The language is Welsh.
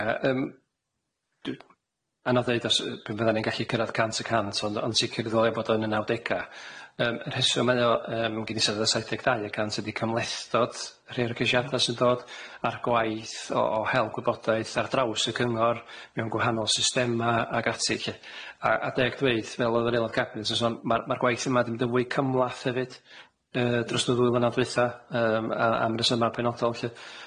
Ia yym dwi'n, anodd ddeud os yy pan fyddan ni'n gallu cyrradd cant y cant ond ond sicir ddylia bod o yn y nawdega, yym yr rheswm yma o yym gynisedd a y saith ddeg dau y cant ydi cymlethdod rhei o'r cesiadau sy'n dod a'r gwaith o o hel gwybodaeth ar draws y cyngor mewn gwahanol systema ag ati lly, a a deg dweud fel o'dd yr aelod cabinet yn sôn ma'r ma'r gwaith yma'n mynd yn fwy cymhleth hefyd yy dros y ddwy flynadd dwitha yym a am resyma' penodol lly.